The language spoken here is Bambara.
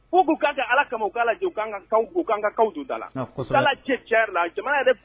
Ko k' ka ala la